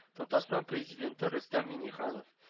Татарстан Президенты Рөстәм Миңнеханов